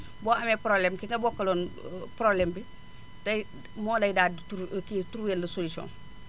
boo amee problème ki nga bokkaloon problème bi tey moo lay daal di trou kii trouvé la solution